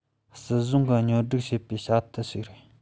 སྲིད གཞུང གིས སྙོམ སྒྲིག བྱེད པའི བྱ ཐབས ཤིག ཡིན